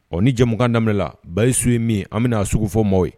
Ɔ ni jɛmukan daminɛ bayi su ye min an bɛna na sugu fɔ maaw ye